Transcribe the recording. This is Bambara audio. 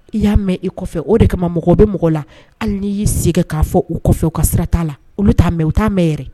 I y'a mɛn i kɔfɛ o de kama mɔgɔ bɛ mɔgɔ la hali n y'i segin k'a fɔ u kɔfɛ u ka sira t'a la olu' mɛ u t'a mɛn